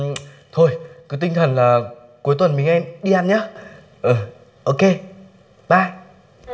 thôi cứ tinh thần là cuối tuần mình en đi ăn nhớ nhớ ô kê bai